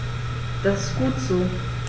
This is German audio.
Das ist gut so.